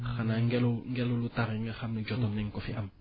xanaa ngelawu ngelaw yu tar yi nga xam jotoon nañu ko fi am